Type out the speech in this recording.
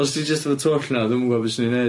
Os ti jyst efo twll 'nar dwi'm yn gwbo be swn i'n neud.